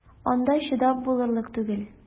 Анда чыдап булырлык түгел!